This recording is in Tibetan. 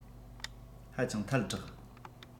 ཧ ཅང ཐལ དྲགས